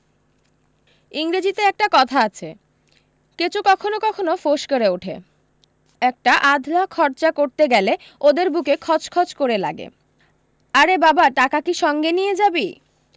ইংরেজিতে একটা কথা আছে কেঁচো কখনো কখনো ফোঁস করে ওঠে একটা আধলা খরচা করতে গেলে ওদের বুকে খচ খচ করে লাগে আরে বাবা টাকা কী সঙ্গে নিয়ে যাবি